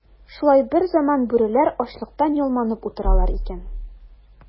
Шулай берзаман бүреләр ачлыктан ялманып утыралар икән.